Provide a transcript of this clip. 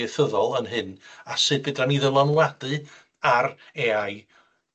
ieithyddol yn hyn a sud fedran ni ddylanwadu ar Ay I